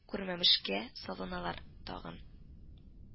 Күрмәмешкә салыналар тагын